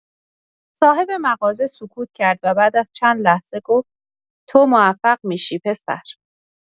صاحب مغازه سکوت کرد و بعد از چند لحظه گفت: «تو موفق می‌شی، پسر!»